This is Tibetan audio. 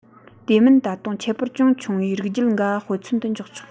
དེ མིན ད དུང ཁྱད པར ཅུང ཆུང བའི རིགས རྒྱུད འགའ དཔེ མཚོན དུ འཇོག ཆོག